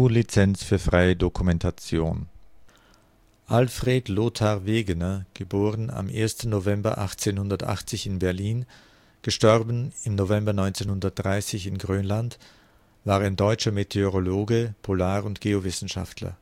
Lizenz für freie Dokumentation. Alfred Lothar Wegener (* 1. November 1880 in Berlin; † November 1930 in Grönland) war ein deutscher Meteorologe, Polar - und Geowissenschaftler